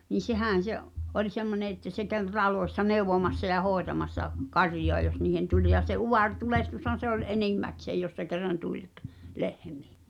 niin sehän se oli semmoinen että se kävi taloissa neuvomassa ja hoitamassa karjaa jos niihin tuli ja se utaretulehdushan se oli enimmäkseen jos se kerran tuli - lehmiin